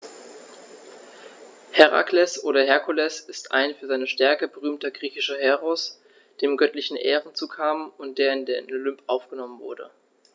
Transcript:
Herakles oder Herkules ist ein für seine Stärke berühmter griechischer Heros, dem göttliche Ehren zukamen und der in den Olymp aufgenommen wurde.